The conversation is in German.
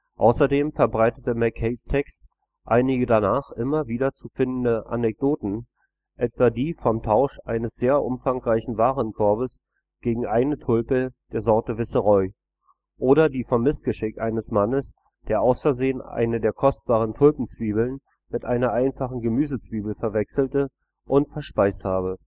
Außerdem verbreitete Mackays Text einige danach immer wieder zu findende Anekdoten, etwa die vom Tausch eines sehr umfangreichen Warenkorbs gegen eine Tulpe der Sorte ' Viceroy ' oder die vom Missgeschick eines Mannes, der aus Versehen eine der kostbaren Tulpenzwiebeln mit einer einfachen Gemüsezwiebel verwechselt und verspeist habe